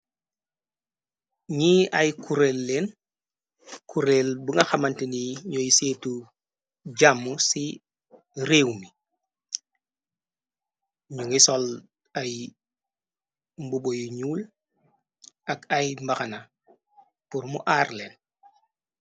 Ni ay kueleen cureel bu nga xamanti ni ñooy seetu jàm ci réew mi ñu ngi sol ay mbubo yu ñuul ak ay mbaxana purmu aar leen.